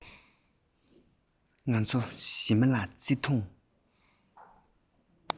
ང ཚོ ཞི མི ལ བརྩེ དུང